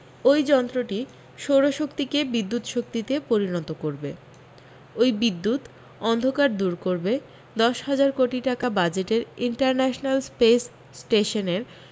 ওই যন্ত্রটি সৌরশক্তিকে বিদ্যুতশক্তিতে পরিণত করবে ওই বিদ্যুত অন্ধকার দূর করবে দশ হাজার কোটি টাকা বাজেটের ইন্টারন্যাশনাল স্পেস স্টেশনের